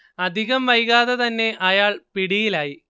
അധികം വൈകാതെ തന്നെ അയാൾ പിടിയിലായി